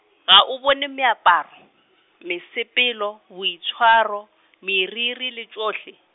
ga o bone meaparo , mesepelo, boitshwaro, meriri le tšohle.